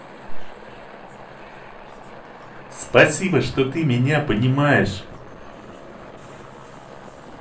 спасибо что ты меня понимаешь